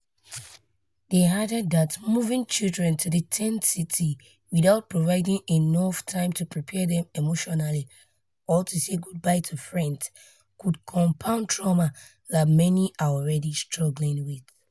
They added that moving children to the tent city without providing enough time to prepare them emotionally or to say goodbye to friends could compound trauma that many are already struggling with.